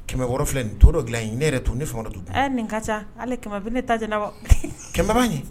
Kɛmɛ wɔɔrɔ filɛ nin to dɔ dilan ne yɛrɛ tun ne fana don nin ka ca ale kɛmɛ bɛ ne ta jɛnɛbɔ kɛmɛbaga ye